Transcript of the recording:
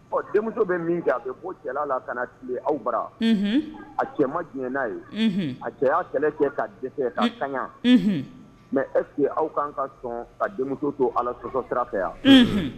Ɔ denmuso bɛ min kɛ a bɛ bɔ cɛla la ka na tile aw bara a cɛ diɲɛ'a ye a cɛ kɛlɛ kɛ ka dɛsɛ ka kaɲa mɛ ɛseke ye aw kan ka sɔn ka denmuso to ala sɔsɔ sira fɛ yan